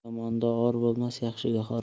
yomonda or bo'lmas yaxshi xor bo'lmas